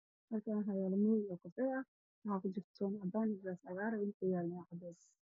Halkan waxaa yaalla mooyo waxaa ku jirta toban caddaan iyo isgaar